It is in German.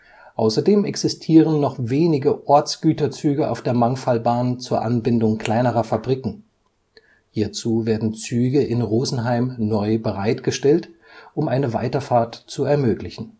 Außerdem existieren noch wenige Ortsgüterzüge auf der Mangfallbahn zur Anbindung kleinerer Fabriken, hierzu werden Züge in Rosenheim neu bereitgestellt, um eine Weiterfahrt zu ermöglichen